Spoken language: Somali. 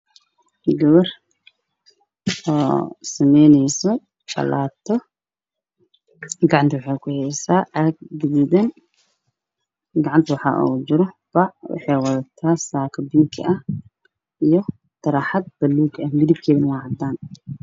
Meeshaan waxaa ka muuqdo gabar gacanta ku hayso caagad guduudan oo samaynayso jalaato waxay ka saako binki ah iyo hijaab buluug ah